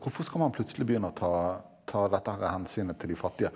hvorfor skal man plutselig begynne å ta ta dette her hensynet til de fattige?